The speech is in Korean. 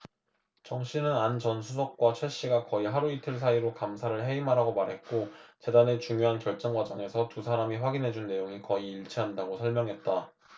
정씨는 안 전 수석과 최씨가 거의 하루이틀 사이로 감사를 해임하라고 말했고 재단의 중요한 결정 과정에서 두 사람이 확인해준 내용이 거의 일치했다고 설명했다